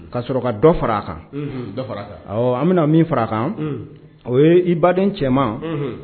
Ka sɔrɔ ka dɔ fara a kan fara an bɛ min fara a kan o ye i baden cɛman